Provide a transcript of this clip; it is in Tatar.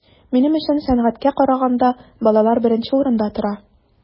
Минем өчен сәнгатькә караганда балалар беренче урында тора.